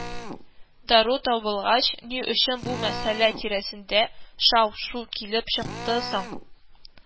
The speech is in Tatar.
Дару табылгач, ни өчен бу мәсьәлә тирәсендә шау-шу килеп чыкты соң